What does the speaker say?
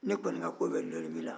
ne kɔnin ka ko bɛɛ dulonni b'i la